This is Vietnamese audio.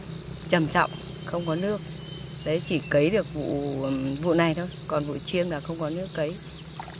trầm trọng không có nước đấy chỉ cấy được vụ vụ này thôi còn hội chiêm là không có nước cấy